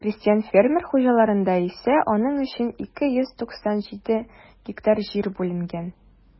Ә крестьян-фермер хуҗалыкларында исә аның өчен 297 гектар җир бүленгән.